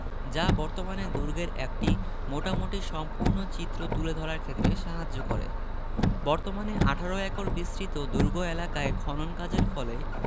যা বর্তমানে দুর্গের একটি মোটামুটি সম্পূর্ণ চিত্র তুলে ধরার ক্ষেত্রে সাহায্য করে বর্তমানে ১৮ একর বিস্তৃত দুর্গ এলাকায় খনন কাজের ফলে